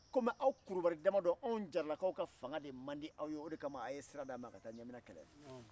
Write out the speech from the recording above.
komi aw kurubali dama don anw jarala kaw ka fanga de mandi aw ye o de kama aw ye sira d'a ma a ka taa